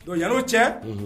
Donc yan no cɛ Unhun